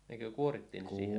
nekö kuorittiin siellä